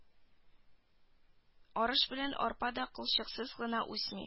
Арыш белән арпа да кылчыксыз гына үсми